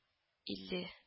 Илле